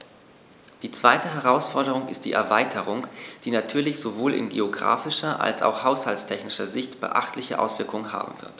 Die zweite Herausforderung ist die Erweiterung, die natürlich sowohl in geographischer als auch haushaltstechnischer Sicht beachtliche Auswirkungen haben wird.